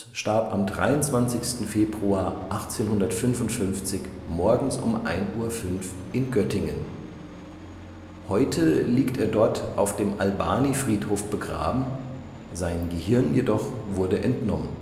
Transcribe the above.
starb am 23. Februar 1855 morgens um 1.05 Uhr in Göttingen. Heute liegt er dort auf dem Albani-Friedhof begraben, sein Gehirn jedoch wurde entnommen